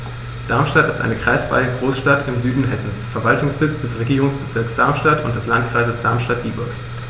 Darmstadt ist eine kreisfreie Großstadt im Süden Hessens, Verwaltungssitz des Regierungsbezirks Darmstadt und des Landkreises Darmstadt-Dieburg.